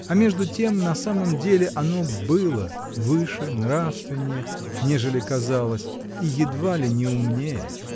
а между тем на самом деле оно было выше, нравственнее, нежели казалось, и едва ли не умнее.